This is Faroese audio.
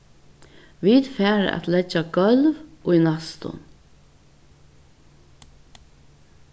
vit fara at leggja gólv í næstum